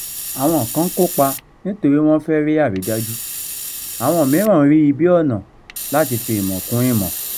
Àwọn kan kópa nítorí wọ́n fẹ́ rí àrídájú; àwọn mìíràn rí i bí ọ̀nà láti fi ìmọ̀ kún ìmọ̀.